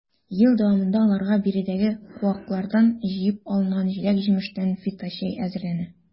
Ел дәвамында аларга биредәге куаклардан җыеп алынган җиләк-җимештән фиточәй әзерләнә.